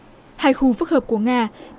hai khu phức hợp của nga